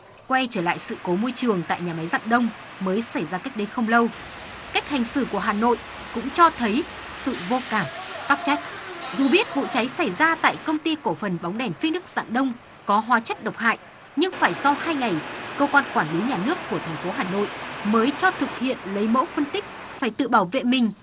quay trở lại sự cố môi trường tại nhà máy rạng đông mới xảy ra cách đây không lâu cách hành xử của hà nội cũng cho thấy sự vô cảm tắc trách dù biết vụ cháy xảy ra tại công ty cổ phần bóng đèn phích nước rạng đông có hóa chất độc hại nhưng phải sau hai ngày cơ quan quản lý nhà nước của thành phố hà nội mới cho thực hiện lấy mẫu phân tích phải tự bảo vệ mình